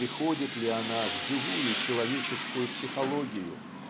переходит ли она в живую человеческую психологию